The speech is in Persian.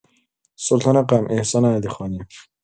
سلطان غم، احسان علیخانی